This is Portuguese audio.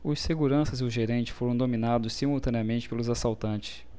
os seguranças e o gerente foram dominados simultaneamente pelos assaltantes